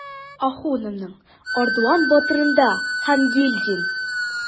Ахуновның "Ардуан батыр"ында Хангилдин.